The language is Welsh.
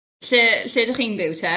Lle, lle 'dach chi'n byw te?